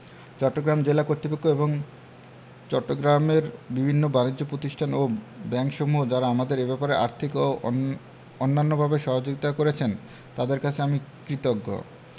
চট্টগ্রাম জেলা কর্তৃপক্ষ এবং চট্টগ্রামের বিভিন্ন বানিজ্য প্রতিষ্ঠান ও ব্যাংকসমূহ যারা আমাদের এ ব্যাপারে আর্থিক ও অন্যান্যভাবে সহযোগিতা করেছেন তাঁদের কাছে আমি কৃতজ্ঞ